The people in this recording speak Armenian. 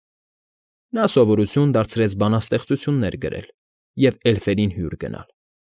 Նա սովորություն դարձրեց բանաստեղծություններ գրել և էլֆերին հյուր գնալ։